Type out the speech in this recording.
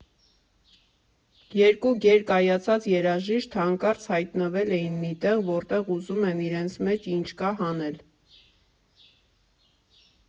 Երկու գերկայացած երաժիշտ հանկարծ հայտնվել էին մի տեղ, որտեղ ուզում են իրենց մեջ ինչ կա, հանել։